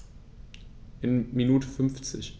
Eine Minute 50